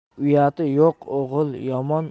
uyati yo'q o'g'il yomon